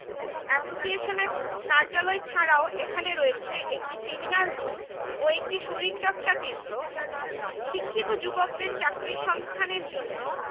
এসোসিয়েশনের কার্যালয় ছাড়াও এখানে রয়েছে একটি সেমিনার রুম ও একটি শরীরচর্চা কেন্দ্র শিক্ষিত যুবকদের চাকরির সংস্থানের জন্য